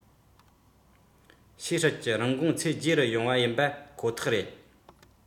བྱེད སྟངས ལུགས དང མཐུན པའི སྒོ ནས སྤྱི ཚོགས ཀྱི བསམ འཆར རྒྱ ཁྱབ ཏུ བསྡུ ལེན བྱ དགོས པ ཁོ ཐག རེད